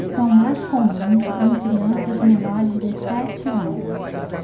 são mais comuns em crianças menores de sete anos